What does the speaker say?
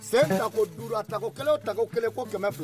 Sen tako duuru tako kelen o tako kelen ko kɛmɛ fila